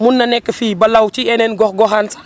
mun na nekk fii ba law ci yeneen gox goxaan yi sax